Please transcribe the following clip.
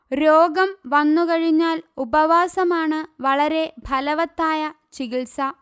രോഗം വന്നുകഴിഞ്ഞാൽ ഉപവാസമാണ് വളരെ ഫലവത്തായ ചികിത്സ